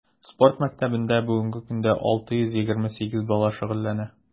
Спорт мәктәбендә бүгенге көндә 628 бала шөгыльләнә.